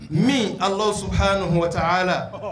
Min alɔ su hha ni mɔgɔta ha la